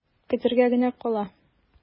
Көтәргә генә кала.